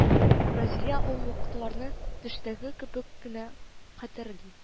Разия ул вакытларны төштәге кебек кенә хәтерли